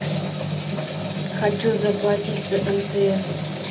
хочу заплатить за мтс